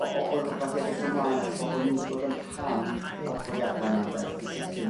o o o rwbath i ed'ych ymlaen ato fo bo' nhw 'di bod yn rhan o'r profiada' 'na ynde felly sicr